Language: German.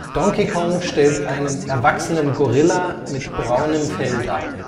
Donkey Kong stellt einen erwachsenen Gorilla mit braunem Fell dar